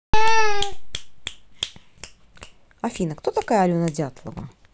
афина кто такая алена дятлова